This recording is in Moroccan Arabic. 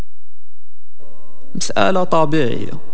مساله طبيعيه